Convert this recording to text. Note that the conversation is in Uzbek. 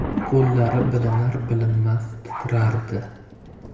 qo'llari bilinar bilinmas titrardi